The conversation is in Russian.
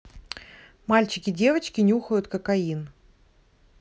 мальчики девочки нюхают кокаин